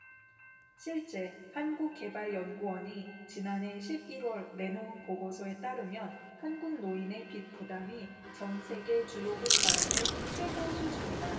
실제 한국개발연구원이 지난해 십 일 월 내놓은 보고서에 따르면 한국 노인의 빚 부담이 전 세계 주요국 가운데 최고 수준이다